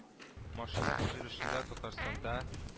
Машина төзелешендә Татарстанда